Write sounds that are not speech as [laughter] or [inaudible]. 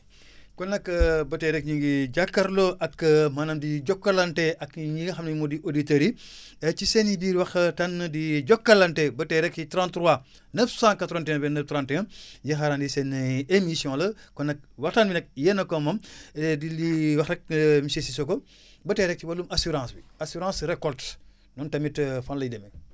[breath] kon nga [hesitation] ba tey rek ñu ngi jàkkaarloo ak [hesitation] maanaan di jokkalante ak ñi nga xam ne moo di auditeurs yi [breath] ci seen i biir waxtaan di jokkalante ba tey rek ci 33 [breath] 981 29 31 [breath] ñu xaarandi seen [hesitation] émission la kon nag waxtaan bi nag yéen a ko moom [breath] [hesitation] di li wax rek [hesitation] monsieur Cissokho [breath] ba tey rek ci wàllum assurance bi assurance récolte moom tamit [hesitation] fan lay demee